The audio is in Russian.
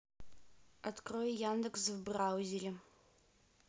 открой яндекс в браузере